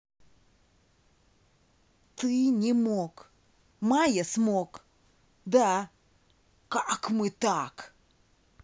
ты не мог майя смог да как мы так